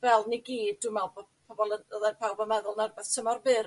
fel ni gyd dw me'l bo' pobol yn.. Odde pawb yn meddwl ma'r b- tymor byr